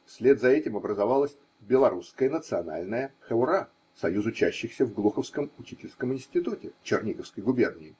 Вслед за этим образовалась Белорусская национальная хэура – союз учащихся в Глуховском учительском институте (Черниговской губ.